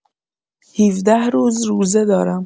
۱۷ روز روزه دارم.